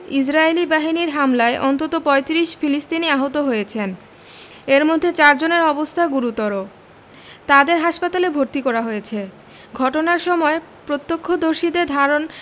ইসরাইলি বাহিনীর হামলায় অন্তত ৩৫ ফিলিস্তিনি আহত হয়েছেন এর মধ্যে চারজনের অবস্থা গুরুত্বর তাদের হাসপাতালে ভর্তি করা হয়েছে ঘটনার সময় প্রত্যক্ষদর্শীদের ধারণ